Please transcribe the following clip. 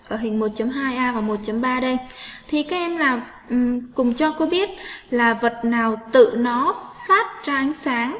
hoạt hình a và d cùng cho cô biết là vật nào tự nó phát ra ánh sáng